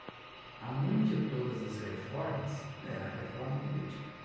a mãe de todas as reformas é a reforma política